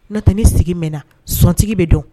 N nɔt ne sigi mɛn na sɔnontigi bɛ don